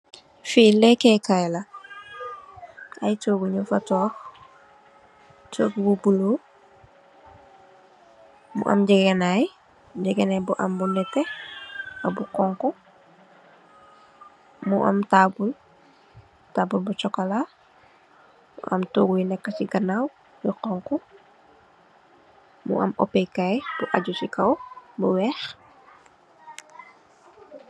Fi lékke kay la ay tóógu ñing fa tóóg, tóógu bu bula mu am ngegenai, ngegenai bu am lu netteh ak xonxu mu am tabull, tabull bu sokola mu am tóógu yu nèkka ci ganaw yu xonxu, mu am upè kay bu aaju ci kaw bu wèèx.